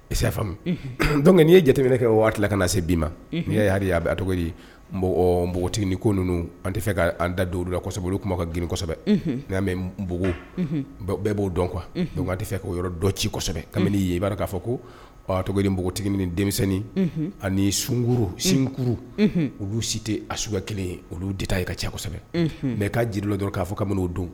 Ia famu dɔn n'i ye jateminɛ kɛ waati tilala ka na se' ma n'i y yaa a bɔn npogotigi ko ninnu an tɛ fɛ kaan da don lasɛbɛ kuma ka grinsɛbɛ n y'a mɛ npogo bɛɛ b'o dɔn qu kuwa dɔn'a fɛ ka yɔrɔ dɔ cisɛbɛ kabini ye i b'a k'a fɔ koto npogotigiini ni denmisɛnnin ani sunkuru sinkuru olu si tɛ a sugu kelen ye olu tɛta ye ka cɛsɛbɛ mɛ ka jiri la dɔrɔn k'a fɔ'o don